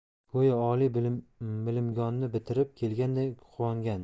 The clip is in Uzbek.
go'yo oliy bilimgohni bitirib kelganday quvongandi